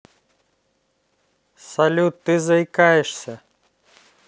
салют ты заикаешься